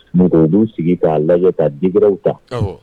Mɔgɔw bɛ sigi k'a lajɛ ka degré ta.